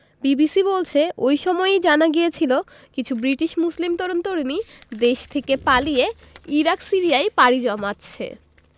BBC বলছে ওই সময়ই জানা গিয়েছিল কিছু ব্রিটিশ মুসলিম তরুণ তরুণী দেশ থেকে পালিয়ে ইরাক সিরিয়ায় পাড়ি জমাচ্ছে